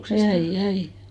jäin jäin